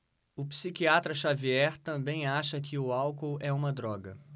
o psiquiatra dartiu xavier também acha que o álcool é uma droga